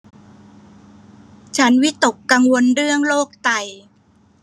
ฉันวิตกกังวลเรื่องโรคไต